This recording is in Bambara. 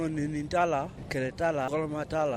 N t'a la kɛlɛ t' la kɔrɔma t'a la